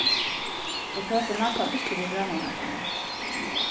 eg tosi næstan ikki við grannarnar hjá mær